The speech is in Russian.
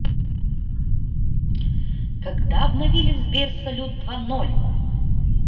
когда обновили сбер салют два ноль